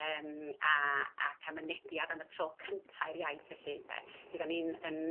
eem a ac a ca'l mynediad am y tro cynta' i'r iaith felly ynde? 'Llu 'da ni yn